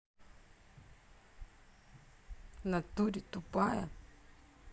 внатуре тупая